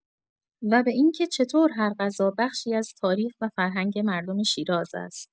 و به اینکه چطور هر غذا بخشی از تاریخ و فرهنگ مردم شیراز است.